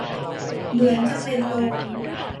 เหมือนจะเป็นลม